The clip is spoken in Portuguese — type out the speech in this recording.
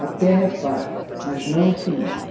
a terra é farta mas não infinita